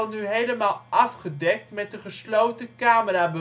nu helemaal " afgedekt " met een gesloten camera